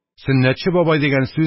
«сөннәтче бабай» дигән сүз